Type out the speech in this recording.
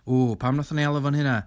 Www! Pam wnaethon ni alw fo'n hynna?